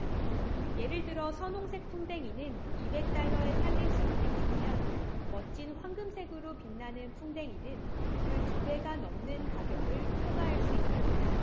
예를 들어 선홍색 풍뎅이는 이백 달러에 팔릴 수 있는 반면 멋진 황금색으로 빛나는 풍뎅이는 그 두 배가 넘는 가격을 호가할 수 있습니다